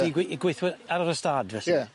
Tŷ gwi- yy gweithwyr ar yr ystâd felly? Ie.